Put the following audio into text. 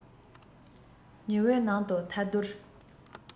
ཉི འོད ནང དུ ཐལ རྡུལ